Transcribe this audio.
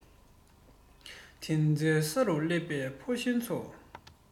དེ འདྲའི ས རུ སླེབས པའི ཕོ གཞོན ཚོ